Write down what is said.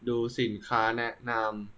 ดูสินค้าแนะนำ